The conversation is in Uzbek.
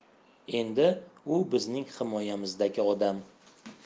endi u bizning himoyamizdagi odam